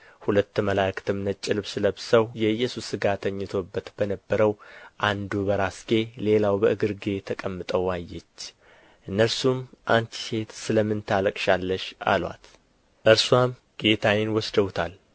ሁለት መላእክትም ነጭ ልብስ ለብሰው የኢየሱስ ሥጋ ተኝቶበት በነበረው አንዱ በራስጌ ሌላውም በእግርጌ ተቀምጠው አየች እነርሱም አንቺ ሴት ስለ ምን ታለቅሻለሽ አሉአት እርስዋም ጌታዬን ወስደውታል